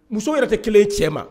Muso yɛrɛ tɛ kelen ye cɛ ma